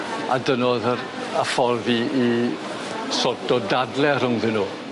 A dyna o'dd yr y ffordd i i sorto dadle rhwngddyn nw.